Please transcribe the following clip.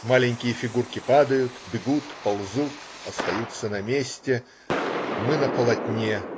Маленькие фигурки падают, бегут, ползут, остаются на месте. Мы на полотне.